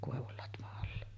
koivun latvan alla